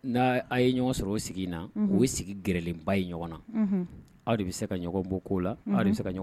N'a aw ye ɲɔgɔn sɔrɔ o sigi na o sigi gɛrɛlenba ye ɲɔgɔn na aw de bɛ se ka ɲɔgɔn bɔ' la aw se ka ɲɔgɔn